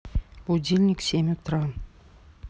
будильник семь утра